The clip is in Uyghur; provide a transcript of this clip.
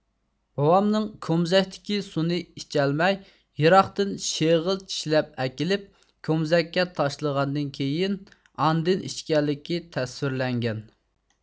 بوۋامنىڭ كومزەكتىكى سۇنى ئىچەلمەي يىراقتىن شېغىل چىشلەپ ئەكىلىپ كومزەككە تاشلىغاندىن كېيىن ئاندىن ئىچكەنلىكى تەسۋىرلەنگەن